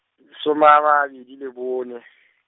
soma a mabedi le bone.